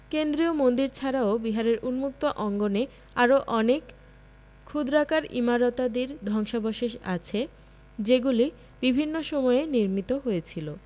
কেন্দ্রীয় মন্দির ছাড়াও বিহারের উম্মুক্ত অঙ্গনে আরও অনেক ক্ষুদ্রাকার ইমারতাদির ধ্বংসাবশেষ আছে যেগুলি বিভিন্ন সময়ে নির্মিত হয়েছিল